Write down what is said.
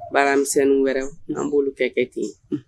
Baaramisɛnninw wɛrɛ an bolo kɛ kɛ ten